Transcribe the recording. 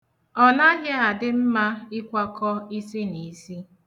Ọnaghị adị mma ikwakọ isiniisi